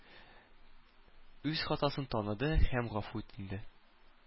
Үз хатасын таныды һәм гафу үтенде.